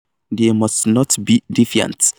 They must not be defiant.